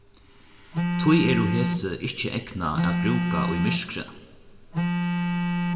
tí eru hesi ikki egnað at brúka í myrkri